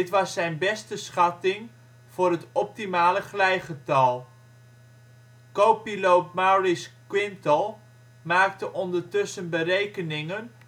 was zijn beste schatting voor het optimale glijgetal. Co-piloot Maurice Quintal maakte ondertussen berekeningen